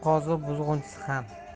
qozi buzg'unchisi ham